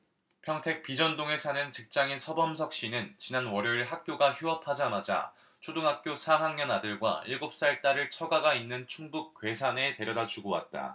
평택 비전동에 사는 직장인 서범석씨는 지난 월요일 학교가 휴업하자마자 초등학교 사 학년 아들과 일곱 살 딸을 처가가 있는 충북 괴산에 데려다주고 왔다